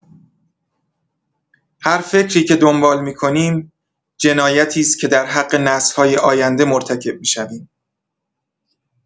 هر فکری که دنبال می‌کنیم، جنایتی است که در حق نسل‌های آینده مرتکب می‌شویم.